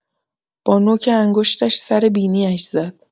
با نوک انگشتش سر بینی‌اش زد.